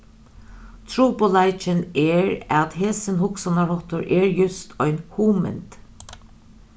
trupulleikin er at hesin hugsanarháttur er júst ein hugmynd